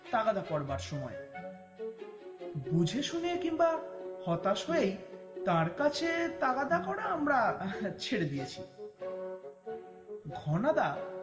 তাগদা করবার সময় বুঝে শুনে কিংবা হতাশ হয়েই তার কাছে তার কাছে তাগাদা করা আমরা ছেড়ে দিয়েছি ঘনাদা